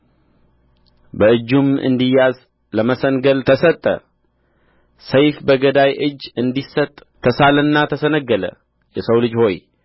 በእጁም እንዲያዝ ለመሰንገል ተሰጠ ሰይፍ በገዳይ እጅ እንዲሰጥ ተሳለና ተሰነገለ የሰው ልጅ ሆይ